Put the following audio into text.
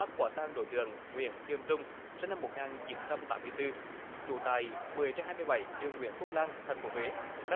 bắt quả tang đối tượng nguyễn khiêm trung sinh năm một nghìn chín trăm tám mươi tư trú tại mười trên hai mươi bảy đường nguyễn phúc lăng thành phố huế đã